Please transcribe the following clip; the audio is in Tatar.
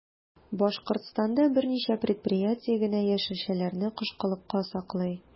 Башкортстанда берничә предприятие генә яшелчәләрне кышкылыкка саклый.